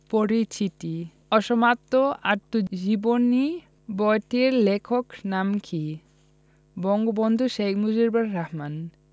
পরিচিতি অসমাপ্ত আত্মজীবনী বইটির লেখকের নাম কী বঙ্গবন্ধু শেখ মুজিবুর রহমান